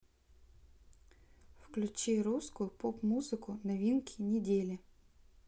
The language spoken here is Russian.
включи русскую поп музыку новинки недели